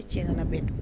A cɛ nana bɛn don